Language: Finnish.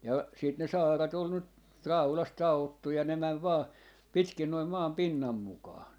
ja sitten ne saarat oli nyt raudasta taottu ja ne meni vain pitkin noin maan pinnan mukaan